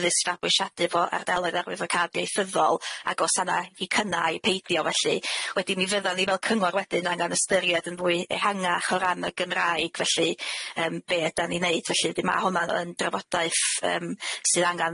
ddysg fabwysiadu fo ar deled arwyddo cad ieithyddol ag o's honna i cynnau i peidio felly wedyn mi fyddan ni fel cyngor wedyn angan ystyried yn fwy ehangach o ran y Gymraeg felly yym be' ydan ni'n neud felly dy- ma' honna yn drafodaeth yym sydd angan